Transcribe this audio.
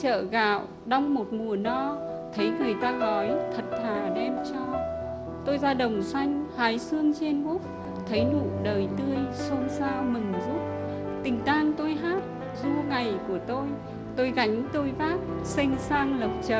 chợ gạo đong một mùa no thấy người ta nói thật thà đem cho tôi ra đồng xanh hái sơn trên búp thấy nụ đời tươi xôn xao mừng rút tình tang tôi hát ru ngày của tôi tôi gánh tôi vác sênh sang lộc trời